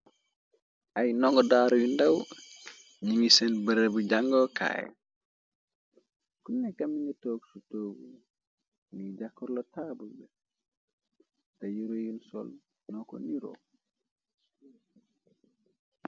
Ay ndongo daara yu ndaw ningi seen berabi jàngookaay ku nekkammi nga toog su toogu ni jàxkorla taabal be té yuro yun sol noko niro.